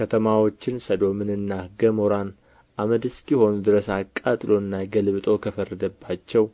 ከተማዎችን ሰዶምንና ገሞራን አመድ እስኪሆኑ ድረስ አቃጥሎና ገልብጦ ከፈረደባቸው